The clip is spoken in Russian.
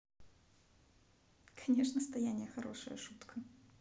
конечно стояния хорошая штука